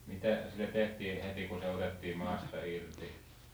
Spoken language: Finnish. mitä sille tehtiin heti kun se otettiin maasta irti